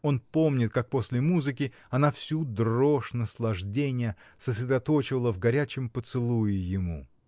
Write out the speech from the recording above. Он помнит, как, после музыки, она всю дрожь наслаждения сосредоточивала в горячем поцелуе ему.